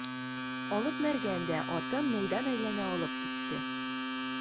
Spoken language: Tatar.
Алып Мәргән дә атын мәйдан әйләнә алып китте.